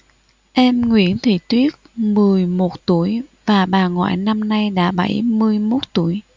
em nguyễn thị tuyết mười một tuổi và bà ngoại năm nay đã bảy mươi mốt tuổi